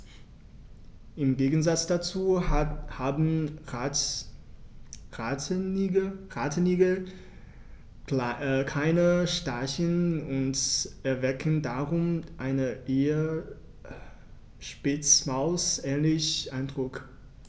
Im Gegensatz dazu haben Rattenigel keine Stacheln und erwecken darum einen eher Spitzmaus-ähnlichen Eindruck.